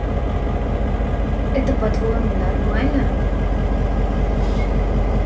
это по твоему нормально